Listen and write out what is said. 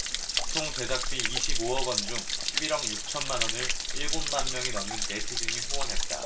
총 제작비 이십 오 억원 중 십 일 억 육천 만원을 일곱 만명이 넘는 네티즌이 후원했다